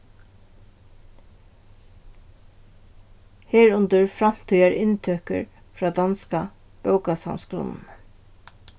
herundir framtíðar inntøkur frá danska bókasavnsgrunninum